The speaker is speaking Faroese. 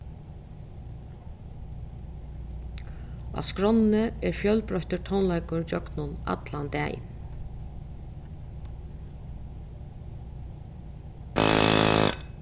á skránni er fjølbroyttur tónleikur gjøgnum allan dagin